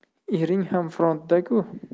ering ham frontda ku